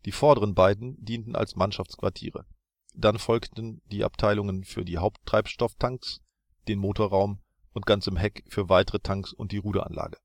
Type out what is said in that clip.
vorderen beiden dienten als Mannschaftsquartiere, dann folgten die Abteilungen für die Haupt-Treibstofftanks, den Motorraum und ganz im Heck für weitere Tanks und die Ruderanlage